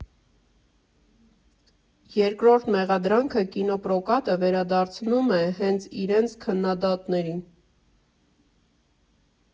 Երկրորդ մեղադրանքը կինոպրոկատը վերադարձնում է հենց իրենց՝ քննադատներին։